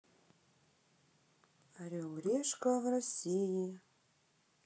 орел орешка в россии